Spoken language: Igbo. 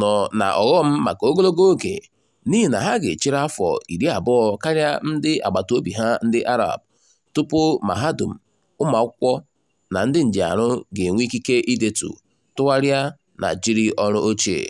nọ na ọghọm maka ogologo oge n'ihi na ha ga-echere afọ 20 karịa ndị agbataobi ha ndị Arab tụpụ mahadum, ụmụakwụkwọ, na ndị njiarụ ga-enwe ikike idetu, tụgharịa, na jiri ọrụ ochie.